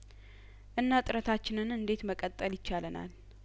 እና ጥረታችንን እንዴት መቀጠል ይቻለናል